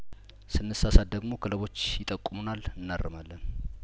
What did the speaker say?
ስንሳሳት ደግሞ ክለቦች ይጠቁሙናል እናርማለን